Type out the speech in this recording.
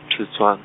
-teswana.